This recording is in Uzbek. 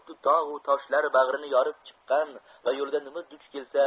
u xuddi tog'u toshlar bag'rini yorib chiqqan va yo'lida nima duch kelsa